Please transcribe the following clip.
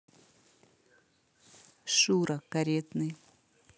шура каретный